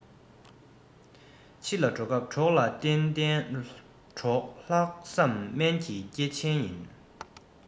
ཕྱི ལ སྐྱོད སྐབས གྲོགས ལ བརྟེན བསྟན འགྲོར ལྷག བསམ སྨན པའི སྐྱེ ཆེན ཡིན